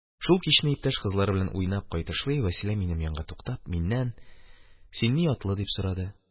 Шул кичне, иптәш кызлары белән уйнап кайтышлый, Вәсилә, минем янга туктап, миннән: – Син ни атлы? – дип сорады.